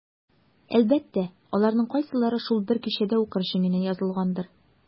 Әлбәттә, аларның кайсылары шул бер кичәдә укыр өчен генә язылгандыр.